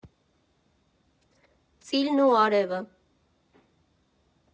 Ծիլն ու արևը։